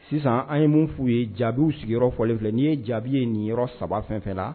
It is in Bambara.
Sisan an ye mun f'u ye jaabiw sigiyɔrɔ fɔlen filɛ, n'i ye jaabi ye ninyɔrɔ saba fɛn o fɛn la